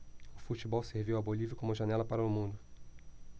o futebol serviu à bolívia como janela para o mundo